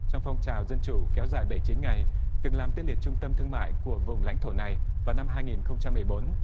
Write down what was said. trong phong trào dân chủ kéo dài bảy chín ngày từng làm tê liệt trung tâm thương mại của vùng lãnh thổ này vào năm hai nghìn không trăm mười bốn